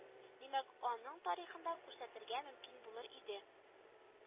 Димәк аның тарихын да күрсәтергә мөмкин булыр иде